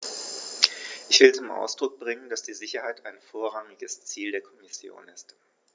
Ich will zum Ausdruck bringen, dass die Sicherheit ein vorrangiges Ziel der Kommission ist.